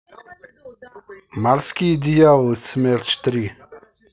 морские дьяволы смерч три